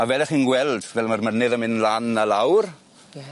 A fel o'ch chi'n gweld fel ma'r mynydd yn mynd lan a lawr... Ie.